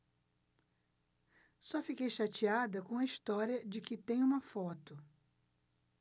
só fiquei chateada com a história de que tem uma foto